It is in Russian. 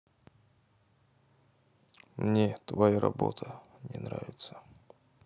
мне твоя работа не нравится